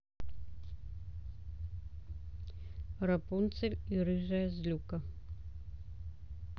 рапунцель и рыжая злюка